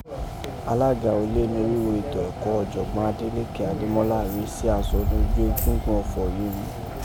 Alaga ule norigho eto ẹkọ, Ọjọgbọn Adélékè Adémọ́lá rèé si aṣọ noju egungun ọfọ yií rin.